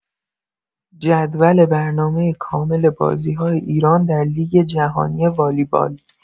جدول برنامه کامل بازی‌های ایران در لیگ جهانی والیبال